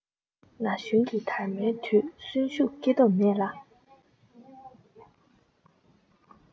ན གཞོན གྱི དར མའི དུས གསོན ཤུགས སྐྱེ སྟོབས མེད ལ